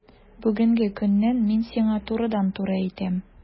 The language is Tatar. Бүгенге көннән мин сиңа турыдан-туры әйтәм: